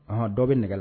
Hɔn dɔ bɛ nɛgɛla